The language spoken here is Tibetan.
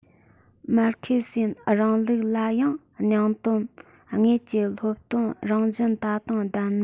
མར ཁེ སིའི རིང ལུགས ལ ཡང སྙིང དོན དངོས ཀྱི སློབ སྟོན རང བཞིན ད དུང ལྡན མིན